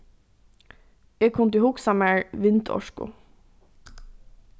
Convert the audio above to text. eg kundi hugsað mær vindorku